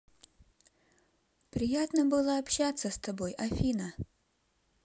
приятно было общаться с тобой афина